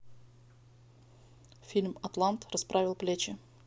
фильм атлант расправил плечи